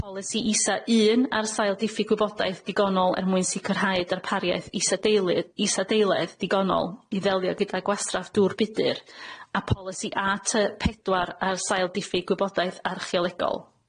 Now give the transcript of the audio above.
Polisi isa un ar sail diffu gwybodaeth digonol er mwyn sicirhaid arpariaeth isa deily- isa deiled digonol i ddelio gyda gwasraff dŵr budur a polisi a ty pedwar ar sail diffyg gwybodaeth archeolegol.